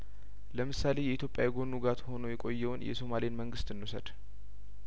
ለምሳሌ የኢትዮጵያ የጐንው ጋት ሆኖ የቆየውን የሶማሌን መንግስት እንውሰድ